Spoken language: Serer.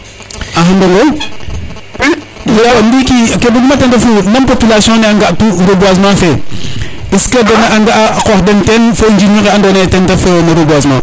alo Ndongo ndiki ke bug ma ten refu nam population nga tu reboisement fe est que a nga a qox den ten fo o njirño nge refna no reboisement